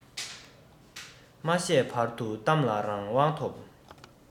མ བཤད བར དུ གཏམ ལ རང དབང ཐོབ